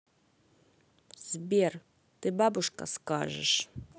сбер ты бабушка скажешь